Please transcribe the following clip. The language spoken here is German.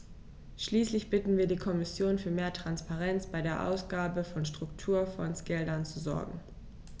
Schließlich bitten wir die Kommission, für mehr Transparenz bei der Ausgabe von Strukturfondsgeldern zu sorgen.